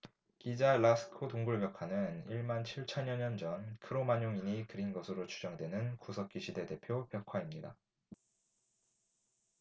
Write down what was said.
기자 라스코 동굴벽화는 일 만 칠 천여 년 전 크로마뇽인이 그린 것으로 추정되는 구석기시대 대표 벽화입니다